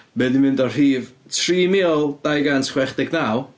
Mae 'di mynd o rhif tri mil dau gant chwech deg naw...